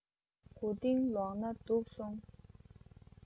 མགོ རྟིང ལོག ན སྡུག སོང